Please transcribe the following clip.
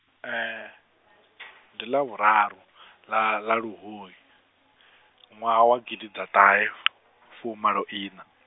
ndi ḽa vhuraru ḽa ḽa luhuhi, ṅwaha wa gidiḓaṱahefumaloiṋa.